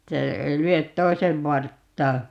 että ei lyö toisen varttaa